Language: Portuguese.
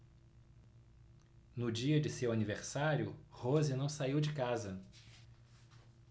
no dia de seu aniversário rose não saiu de casa